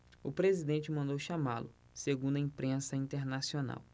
o presidente mandou chamá-lo segundo a imprensa internacional